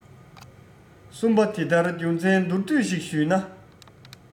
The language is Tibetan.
གསུམ པ དེ ལྟར རྒྱུ མཚན མདོར བསྡུས ཤིག ཞུས ན